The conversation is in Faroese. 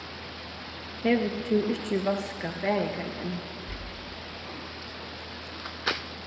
hevur tú ikki vaskað baðikarið enn